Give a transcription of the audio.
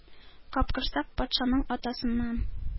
Капкорсак патшаның атасыннан